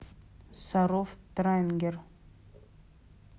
саров tariner